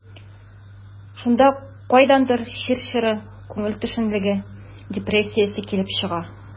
Шунда кайдандыр чир чоры, күңел төшенкелеге, депрессиясе килеп чыга.